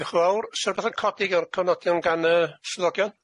Diolch yn fawr. Sa rwbeth yn codi o'r cofnodion gan y swyddogion?